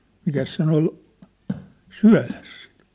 mikäs sen oli syödessä sitten